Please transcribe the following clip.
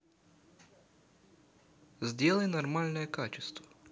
сделай нормальное качество